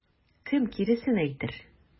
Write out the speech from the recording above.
Кем киресен әйтер?